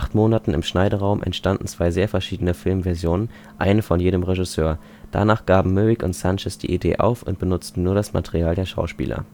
Monaten im Schneideraum entstanden zwei sehr verschiedene Filmversionen – eine von jedem Regisseur –, danach gaben Myrick und Sanchez die Idee auf und benutzten nur das Material der Schauspieler